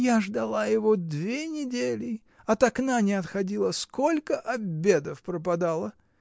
— Я ждала его две недели, от окна не отходила, сколько обедов пропадало!